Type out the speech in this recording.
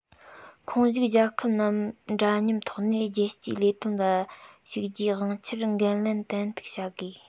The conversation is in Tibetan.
ཁོངས ཞུགས རྒྱལ ཁབ རྣམས འདྲ མཉམ ཐོག ནས རྒྱལ སྤྱིའི ལས དོན ལ ཞུགས རྒྱུའི དབང ཆར འགན ལེན ཏན ཏིག བྱ དགོས